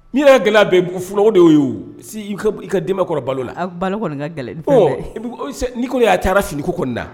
N'i ka gɛlɛ bɛ f fura de ye si i ka den kɔrɔ balo la a ka gɛlɛ n'i ko y'a taara siniko kɔni da